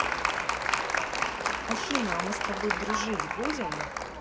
афина а мы с тобой дружить будем